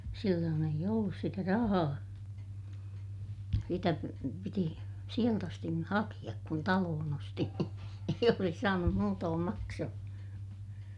silloin ei ollut sitä rahaa sitä piti sieltä asti niin hakea kun talon osti ei olisi saanut muutoin maksuun